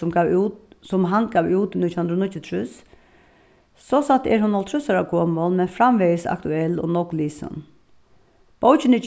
sum gav út sum hann gav út í nítjan hundrað og níggjuogtrýss sostatt er hon hálvtrýss ára gomul men framvegis aktuell og nógv lisin bókin er